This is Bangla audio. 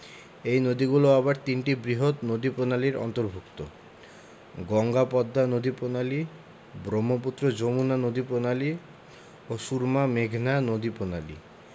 এই নদীগুলো আবার তিনটি বৃহৎ নদীপ্রণালীর অন্তর্ভুক্ত গঙ্গা পদ্মা নদীপ্রণালী ব্রহ্মপুত্র যমুনা নদীপ্রণালী ও সুরমা মেঘনা নদীপ্রণালী